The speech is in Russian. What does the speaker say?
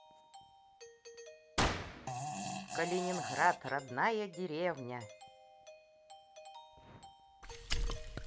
калининград родная деревня